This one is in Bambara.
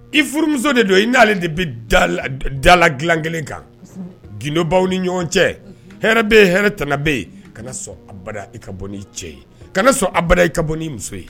I furumuso de don i n'ale de bɛ dalala dilakelen kan gdobaw ni ɲɔgɔn cɛ hɛrɛ bɛ ye hɛrɛ tana bɛ ye ka sɔn ada i ka bɔ cɛ ye ka sɔn aba i ka bɔ muso ye